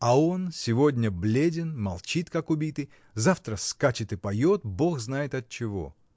А он сегодня бледен, молчит как убитый, — завтра скачет и поет бог знает от чего!